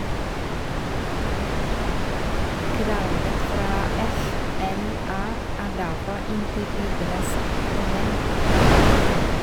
Kravet fra FLA er derfor inntil videre satt på vent.